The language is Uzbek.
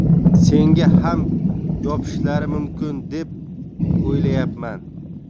senga ham yopishishlari mumkin deb o'ylayapman